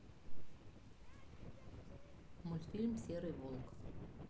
мультфильм серый волк